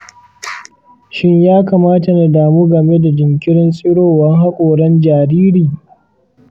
shin ya kamata na damu game da jinkirin tsiron haƙoran jariri?